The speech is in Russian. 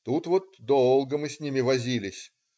Тут вот долго мы с ними возились.